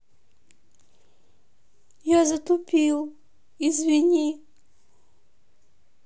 я затупил извини